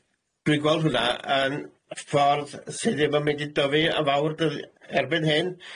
dwi'n gweld hwn'na yn ffordd sydd ddim yn mynd i dyfu yn fawr dydd- erbyn hyn.